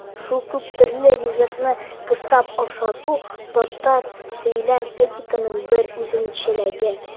Шул күптөрле ризыкны кыстап ашату татар сөйләм этикетының бер үзенчәлеге.